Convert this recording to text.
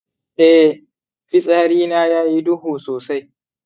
eh, fitsarina ya yi duhu sosai.